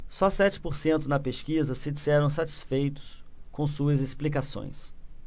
só sete por cento na pesquisa se disseram satisfeitos com suas explicações